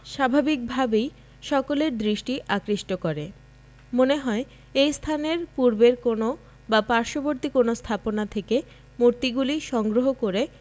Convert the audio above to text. স্বাভাবিকভাবেই সকলের দৃষ্টি আকৃষ্ট করে মনে হয় এ স্থানের পূর্বের কোন বা পার্শ্ববর্তী কোন স্থাপনা থেকে মূর্তিগুলি সংগ্রহ করে